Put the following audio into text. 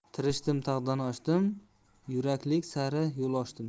tirishdim tog'dan oshdim yorug'lik sari yo'l ochdim